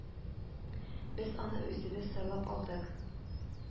Без аны үзебез сайлап алдык